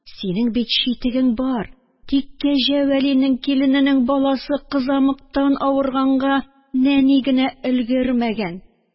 Синең бит читегең бар, тик Кәҗә Вәлинең килененең баласы кызамыктан авырганга нәни генә өлгермәгән